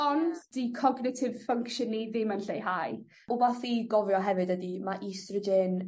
ond 'di cognative function ni ddim yn lleihau. Wbath i gofio hefyd ydi ma' estrogen